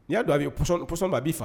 N y'a a bɛɔsɔn' b'i faga